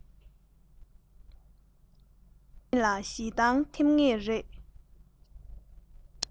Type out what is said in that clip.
སྙོག འཛིང ལ ཞིབ འདང ཐེབས ངེས ཀྱི